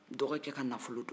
dɔgɔkɛ ka nanfolo don